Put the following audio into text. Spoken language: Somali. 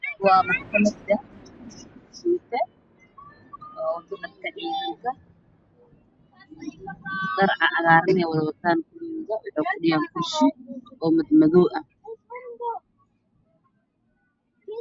Waxaa ii muuqda talyashoote oo fadhiya maxkamadda qaranka waxa uuna wataa tuuta cagaaran iyo warqad waxaana ag fadhiyo niman wato tuuto